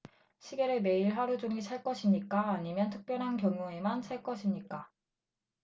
시계를 매일 하루 종일 찰 것입니까 아니면 특별한 경우에만 찰 것입니까